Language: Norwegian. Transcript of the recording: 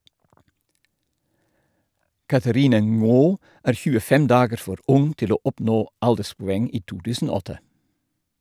Catherine Ngo er 25 dager for ung til å oppnå alderspoeng i 2008.